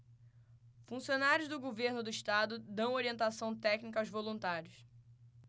funcionários do governo do estado dão orientação técnica aos voluntários